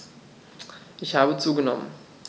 Ich habe zugenommen.